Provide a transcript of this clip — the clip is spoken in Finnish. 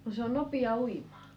no se on nopea uimaan